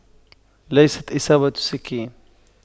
ليست اصابة سكين